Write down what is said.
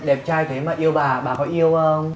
đẹp trai thế mà yêu bà bà có yêu không